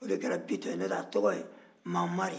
o de kɛra bitɔn n'o tɛ a tɔgɔ ye mamari